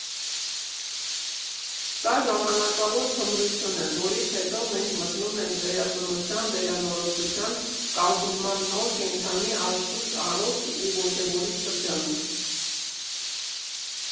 Սա ժամանակավոր թմրություն է, որից հետո մենք մտնում ենք վերածնության, վերանորոգության, կազդուրման նոր, կենդանի, աշխույժ, առողջ ու ոգևորիչ շրջանը»։